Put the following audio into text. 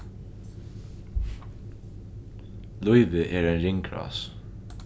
lívið er ein ringrás